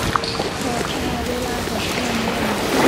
เปิดแอร์เวลาหกโมงเย็น